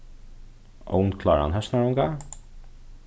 ovnkláran høsnarunga